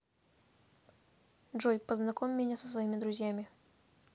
джой познакомь меня со своими друзьями